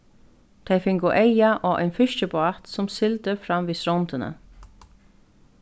tey fingu eyga á ein fiskibát sum sigldi fram við strondini